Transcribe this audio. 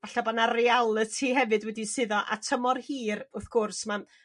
falla' bo' 'na realiti hefyd wedi suddo a tymor hir wrth gwrs ma'